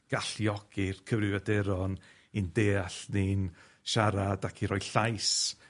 galluogi'r cyfrifiaduron i'n deall ni'n siarad ac i roi llais